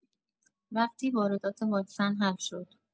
وقتی واردات واکسن حل شد